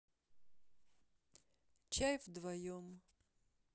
чай вдвоем